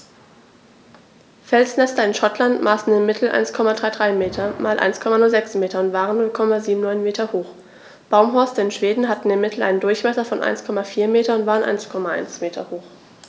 Felsnester in Schottland maßen im Mittel 1,33 m x 1,06 m und waren 0,79 m hoch, Baumhorste in Schweden hatten im Mittel einen Durchmesser von 1,4 m und waren 1,1 m hoch.